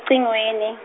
-cingweni.